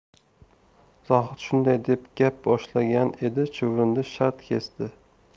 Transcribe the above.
zohid shunday deb gap boshlagan edi chuvrindi shart kesdi